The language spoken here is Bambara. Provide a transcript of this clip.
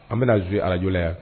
An bɛna z araj yan